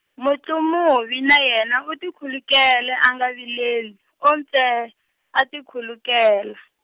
Mutlumuvi na yena u tikhulukela a nga vileli , o ntsee, a tikhulukela.